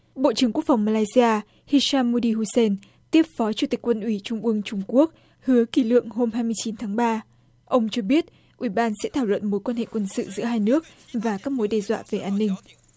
bộ trưởng quốc phòng ma lay si a hi sa mu đi hu sen tiếp phó chủ tịch quân ủy trung ương trung quốc hứa kỷ lượng hôm hai mươi chín tháng ba ông cho biết ủy ban sẽ thảo luận mối quan hệ quân sự giữa hai nước và các mối đe dọa về an ninh